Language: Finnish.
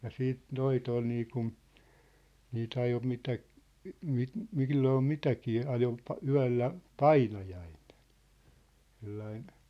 ja sitten noita oli niin kuin niitä ajoi mitä - milloin mitäkin ajoi - yöllä painajainen sellainen